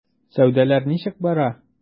Сәүдәләр ничек бара?